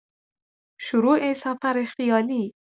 شروع سفر خیالی